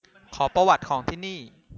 ขอประวัติของที่นี่